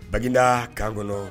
Baginda kan kɔnɔ